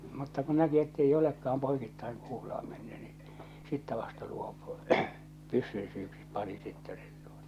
mutta kun näki että ei olekaan poikittain kuulaa mennyt niin sitten vasta luopui pyssyn syyksi pani sitten sen tuota